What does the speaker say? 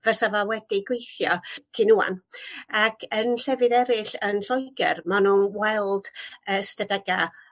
fysa fo wedi gweithio cyn ŵan ac yn llefydd eryll yn Lloeger ma' nw'n weld yy ystadega